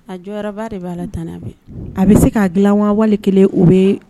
A jɔyɔrɔba de b' la tan a bɛ se k ka dilan wawale kelen o bɛ